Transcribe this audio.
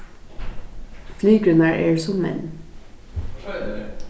flykrurnar eru sum menn